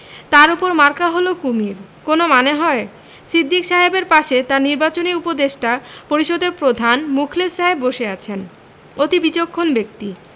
তার উপর মার্কা হল কুমীর কোন মানে হয় সিদ্দিক সাহেবের পাশে তাঁর নিবাচনী উপদেষ্টা পরিষদের প্রধান মুখলেস সাহেব বসে আছেন অতি বিচক্ষণ ব্যক্তি